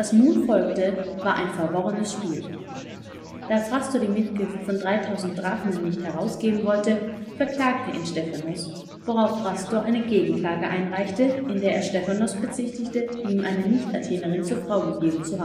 nun folgte, war ein verworrenes Spiel. Da Phrastor die Mitgift von 3.000 Drachmen nicht herausgeben wollte, verklagte ihn Stephanos, woraufhin Phrastor eine Gegenklage einreichte, in der er Stephanos bezichtigte, ihm eine Nichtathenerin zur Frau gegeben zu